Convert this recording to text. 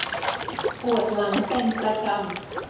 ปวดหลังเป็นประจำ